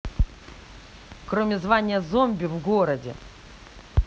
кроме звания зомби в городе